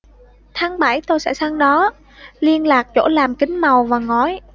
tháng bảy tôi sẽ sang đó liên lạc chỗ làm kính màu và ngói